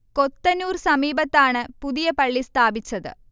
കൊത്തനൂർ സമീപത്താണ് പുതിയ പള്ളി സ്ഥാപിച്ചത്